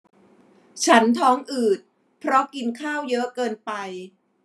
ฉันท้องอืดเพราะกินข้าวเยอะเกินไป